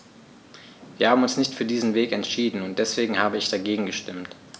Wir haben uns nicht für diesen Weg entschieden, und deswegen habe ich dagegen gestimmt.